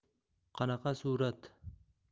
qanaqa surat